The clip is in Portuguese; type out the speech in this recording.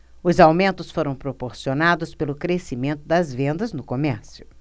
os aumentos foram proporcionados pelo crescimento das vendas no comércio